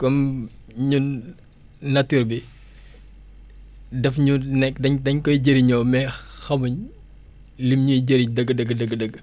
comme ñun nature bi daf ñu ne dañ dañ koy jëriñoo mais xamuñ lim ñuy jëriñ dëgg dëgg dëgg